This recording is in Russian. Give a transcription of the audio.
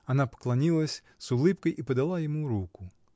Она поклонилась с улыбкой и подала ему руку.